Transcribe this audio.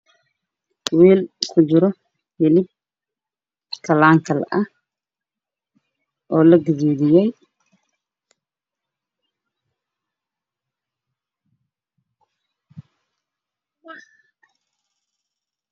Weel ku jiro hilib kalaan kal ah oo lagduudiyay